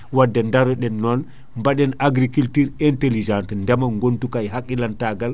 wadde daaro ɗen non baɗen agriculturée intelligente ndeema gonduka e hagqilantagal